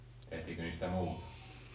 tehtiinkö niistä muuta